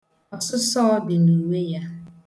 Ọsụsọọ dị n'uwe ya.